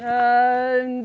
ờ